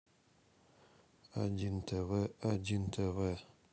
один тв один тв